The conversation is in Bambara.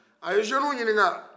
a zenuw ɲinika